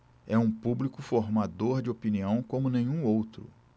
é um público formador de opinião como nenhum outro